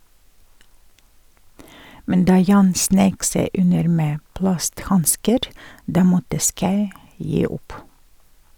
Men da Jan sneik seg under med plasthansker, da måtte Schau gi opp.